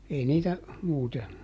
ei niitä muuten